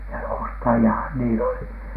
ja ostajiahan niillä oli